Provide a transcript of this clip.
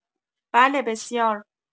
بله بسیار